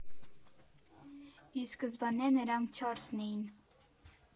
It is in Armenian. Ի սկզբանե նրանք չորսն էին…